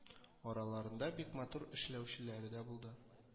Араларында бик матур эшләүчеләре дә булды